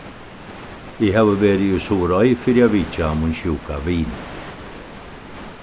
eg havi verið í suðuroy fyri at vitja mín sjúka vin